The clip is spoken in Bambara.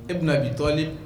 E bɛna i'i toli